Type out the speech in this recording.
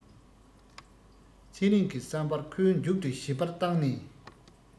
ཚེ རིང གི བསམ པར ཁོས མཇུག ཏུ ཞིབ པར བཏང ནས